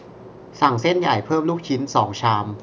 สั่งเส้นใหญ่เพิ่มลูกชิ้นสองชาม